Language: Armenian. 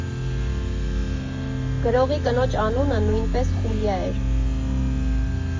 Գրողի կնոջ անունը նույնպես Խուլիա էր։